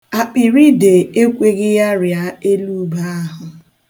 Akpịriide ekweghị ya rịa elu ube ahụ.